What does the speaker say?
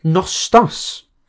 'Nostos.'